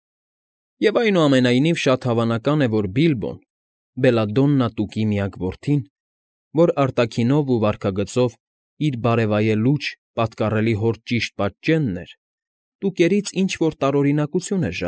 Եվ, այնուամենայնիվ, շատ հավանական է, որ Բիլբոն՝ Բելադոննա Տուկի միակ որդին, որ արտաքինով ու վարքագծով իր բարեվայելուչ, պատկառելի հոր ճիշտ պատճենն էր, Տուկիներից ինչ֊որ տարօրինակություն էր։